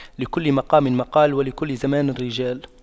لكل مقام مقال ولكل زمان رجال